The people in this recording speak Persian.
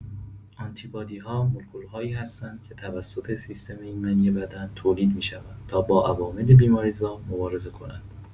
آنتی‌بادی‌ها مولکول‌هایی هستند که توسط سیستم ایمنی بدن تولید می‌شوند تا با عوامل بیماری‌زا مبارزه کنند.